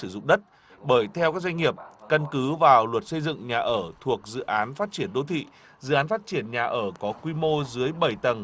sử dụng đất bởi theo các doanh nghiệp căn cứ vào luật xây dựng nhà ở thuộc dự án phát triển đô thị dự án phát triển nhà ở có quy mô dưới bảy tầng